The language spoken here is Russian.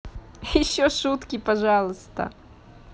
еще шутки пожалуйста